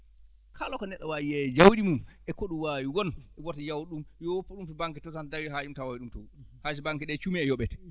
kala ko neɗɗo waawi yeey e jawɗi mum e ko ɗum waawi won wota yawo ɗum yo woppu ɗum to banque to tan so tawi haaju mum tawoya ɗum toon hay so banque : fra ɗe cuumii a yoɓete